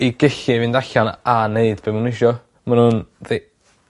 i gillu fynd allan a neud be' ma' n'w isio. Ma' nw'n ddi-...